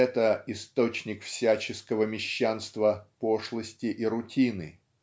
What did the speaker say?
это - источник всяческого мещанства, пошлости и рутины.